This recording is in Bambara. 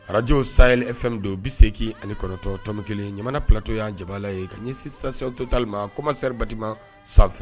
Arajo saylifw don bi seeki ani kɔnɔtɔntɔnm kelen ɲamana ptɔ y'an jabala ye ka ɲɛ sisansi to talima komasri batima sanfɛ